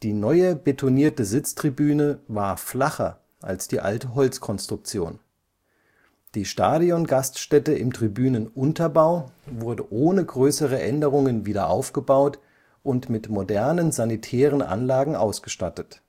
neue betonierte Sitztribüne war flacher als die alte Holzkonstruktion. Die Stadiongaststätte im Tribünenunterbau wurde ohne größere Änderungen wiederaufgebaut und mit modernen sanitären Anlagen ausgestattet